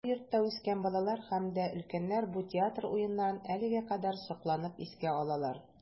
Бу йортта үскән балалар һәм дә өлкәннәр бу театр уеннарын әлегә кадәр сокланып искә алалар.